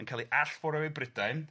yn cael ei all-forio i Brydain... Ia...